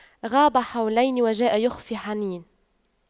غاب حولين وجاء بِخُفَّيْ حنين